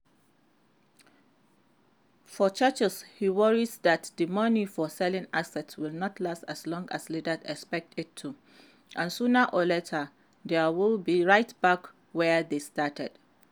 As for churches, he worries that the money from selling assets will not last as long as leaders expect it to, "and sooner or later they'll be right back where they started."